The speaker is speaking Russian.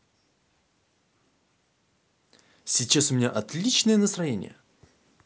сейчас у меня отличное настроение